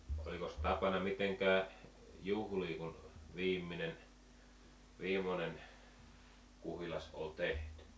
olikos tapana mitenkään juhlia kun viimeinen viimeinen kuhilas oli tehty